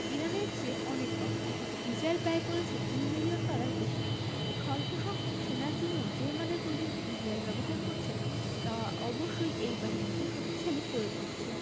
ইরানের চেয়ে অনেক কম অথচ ইসরায়েল ব্যয় করছে ২ বিলিয়ন ডলার বেশি অল্পসংখ্যক সেনার জন্য যে মানের প্রযুক্তি ইসরায়েল ব্যবহার করছে তা অবশ্যই এই বাহিনীকে শক্তিশালী করে তুলছে